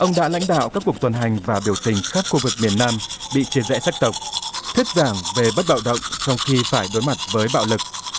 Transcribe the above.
ông đã lãnh đạo các cuộc tuần hành và biểu tình khắp khu vực miền nam bị chia rẽ sắc tộc thuyết giảng về bất bạo động trong khi phải đối mặt với bạo lực